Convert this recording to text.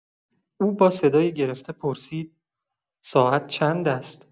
او با صدای گرفته پرسید: «ساعت چند است؟!»